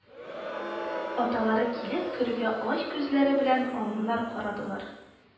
Аталары килеп керүгә ач күзләре белән аңанар карадылар